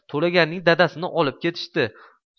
to'laganning dadasini olib ketishdi